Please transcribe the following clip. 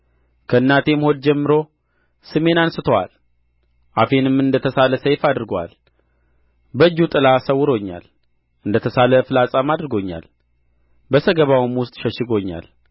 ከእናቴም ሆድ ጀምሮ ስሜን አንሥቶአል አፌንም እንደ ተሳለ ሰይፍ አድርጎአል በእጁ ጥላ ሰውሮኛል እንደ ተሳለ ፍላጻም አድርጎኛል በሰገባውም ውስጥ ሽጎኛል